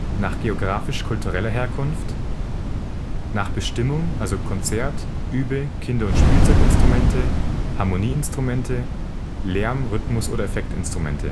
Nach geographisch-kultureller Herkunft Nach Bestimmung (Konzert -, Übe -, Kinder -, Spielzeuginstrumente, Harmonieinstrument, Lärm -, Rhythmus - oder Effektinstrument